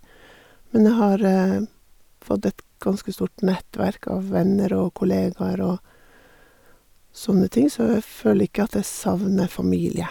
Men jeg har fått et ganske stort nettverk av venner og kollegaer og sånne ting, så jeg føler ikke at jeg savner familie.